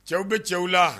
Cɛw bɛ cɛw la